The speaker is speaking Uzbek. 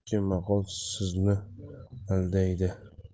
eski maqol sizni aldamaydi